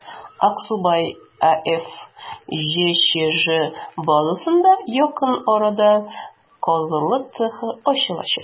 «аксубай» аф» җчҗ базасында якын арада казылык цехы ачылачак.